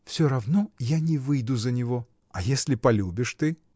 — Всё равно, я не выйду за него! — А если полюбишь ты?.